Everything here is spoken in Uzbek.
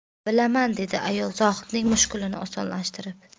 bilaman dedi ayol zohidning mushkulini osonlashtirib